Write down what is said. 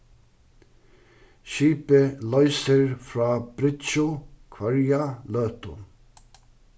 skipið loysir frá bryggju hvørja løtu